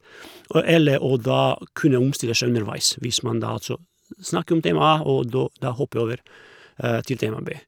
og Eller å da kunne omstille seg underveis hvis man da altså snakke om tema A og då da hoppe over til tema B.